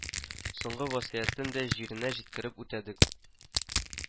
Соңгы васыятен дә җиренә җиткереп үтәдек